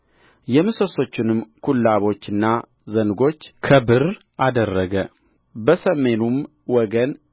የምሰሶቹንም ኩላቦችና ዘንጎች ከብር አደረገ በሰሜኑም ወገን